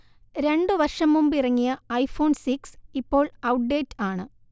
രണ്ടു വർഷം മുമ്പിറങ്ങിയ ഐഫോൺ സിക്സ് ഇപ്പോൾ ഔട്ട്ഡേറ്റ് ആണ്